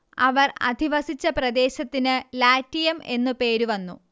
അവർ അധിവസിച്ച പ്രദേശത്തിന് ലാറ്റിയം എന്നു പേര് വന്നു